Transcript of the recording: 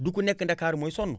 du ku nekk ndakaaru mooy sonn